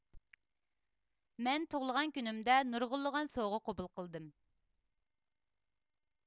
مەن تۇغۇلغان كۈنۈمدە نۇرغۇنلىغان سوۋغا قوبۇل قىلدىم